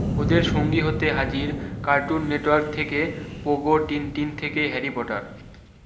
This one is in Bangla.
ওদের সঙ্গী হতে হাজির কার্টুন নেটওয়ার্ক থেকে পোগো টিনটিন থেকে হ্যারি পটার